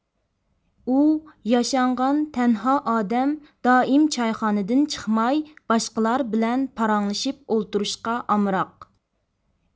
ئۇ ياشانغان تەنھا ئادەم دائىم چايخانىدىن چىقماي باشقىلار بىلەن پاراڭلىشىپ ئولتۇرۇشقا ئامراق